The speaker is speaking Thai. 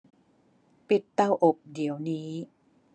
ปิดเตาอบเดี๋ยวนี้